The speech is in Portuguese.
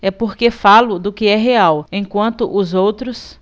é porque falo do que é real enquanto os outros